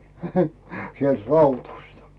sieltä Raudᴜsta